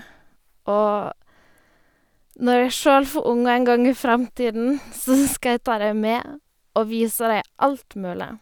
Og når jeg sjøl får unger en gang i framtiden, så skal jeg ta dem med og vise dem alt mulig.